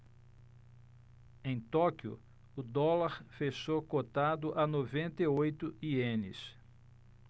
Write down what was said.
em tóquio o dólar fechou cotado a noventa e oito ienes